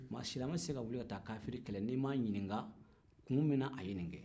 o tuma silamɛ tɛ se ka wuli ka taa kafiri kɛlɛ n'i ma ɲininkan kun min na a ye nin kɛ